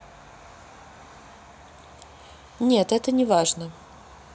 нет это неважно